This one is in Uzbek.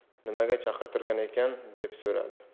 nimaga chaqirtirgan ekan deb so'radi